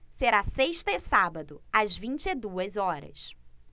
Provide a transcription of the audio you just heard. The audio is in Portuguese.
será sexta e sábado às vinte e duas horas